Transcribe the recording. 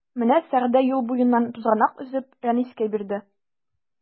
Менә Сәгъдә юл буеннан тузганак өзеп Рәнискә бирде.